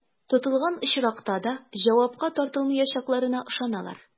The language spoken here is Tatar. Тотылган очракта да җавапка тартылмаячакларына ышаналар.